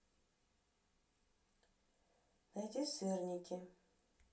найди сырники